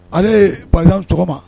Ale, Badian ni sɔgɔma